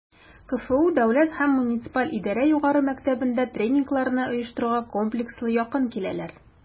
КФУ Дәүләт һәм муниципаль идарә югары мәктәбендә тренингларны оештыруга комплекслы якын киләләр: